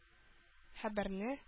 Хәбәрне